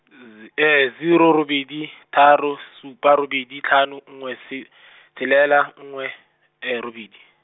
z- zero robedi, tharo, supa robedi tlhano nngwe se- , tshelela, nngwe, robedi.